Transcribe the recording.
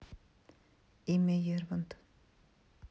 имя ерванд